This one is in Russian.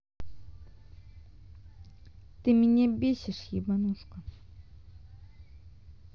ты меня бесишь ебанушка